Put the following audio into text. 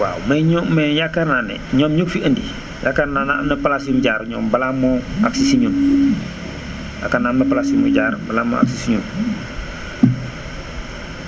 waaw mais ñoom mais yaakaar naa ne ñoom ñi ko fi indi yaakaar naa ne am na place yu ñu jaar ñoom balaa moo àgg si si ñun yaakaar naa am na place yu mu jaar balaa moo àgg si si ñun